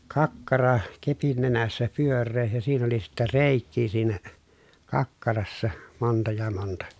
kakkara kepin nenässä pyöreä ja siinä oli sitten reikiä siinä kakkarassa monta ja monta